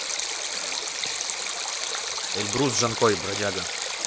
эльбрус джанкой бродяга